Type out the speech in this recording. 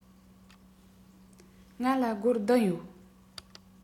ང ལ སྒོར བདུན ཡོད